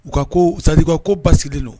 U ka ko sadi ko ba sigilen don